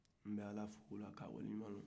nbe ala fo ola k'a waleɲuman dɔ